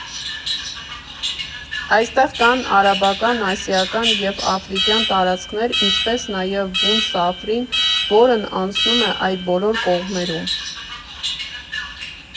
Այստեղ կան արաբական, ասիական և աֆրիկյան տարածքներ, ինչպես նաև բուն սաֆրին, որն անցնում է այդ բոլոր կողմերով։